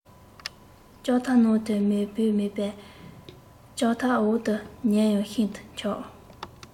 ལྕགས ཐབ ནང དུ མེ བུད མེད པས ལྕགས ཐབ འོག ཏུ ཉལ ཡང ཤིན ཏུ འཁྱགས